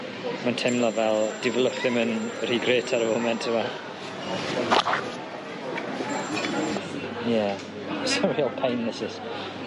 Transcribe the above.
Ma'n timlo fel dyw fy lwc ddim yn rhy grêt ar y foment yw e? Yeah, it's a real pain this is.